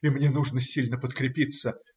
И мне нужно сильно подкрепиться.